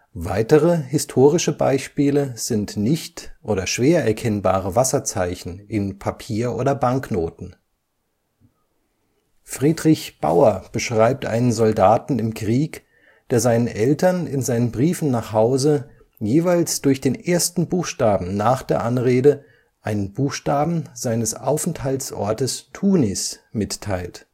Weitere historische Beispiele sind nicht oder schwer erkennbare Wasserzeichen in Papier oder Banknoten. Friedrich L. Bauer beschreibt einen Soldaten im Krieg, der seinen Eltern in seinen Briefen nach Hause jeweils durch den ersten Buchstaben nach der Anrede einen Buchstaben seines Aufenthaltsortes Tunis mitteilt